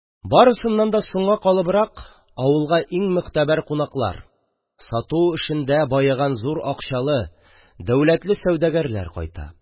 Барысыннан да соңга калыбрак авылга иң могтәбәр кунаклар – сату эшендә баеган зур акчалы, дәүләтле сәүдәгәрләр кайта.